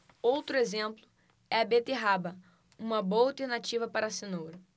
outro exemplo é a beterraba uma boa alternativa para a cenoura